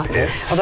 yes.